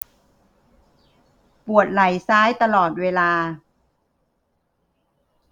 ปวดไหล่ซ้ายตลอดเวลา